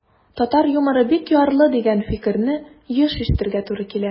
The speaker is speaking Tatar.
Татар юморы бик ярлы, дигән фикерне еш ишетергә туры килә.